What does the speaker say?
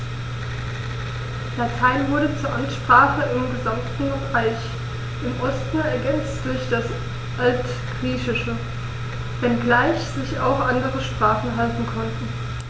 Latein wurde zur Amtssprache im gesamten Reich (im Osten ergänzt durch das Altgriechische), wenngleich sich auch andere Sprachen halten konnten.